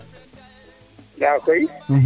yaaga koy